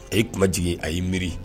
A ye kuma jigin a'i miiri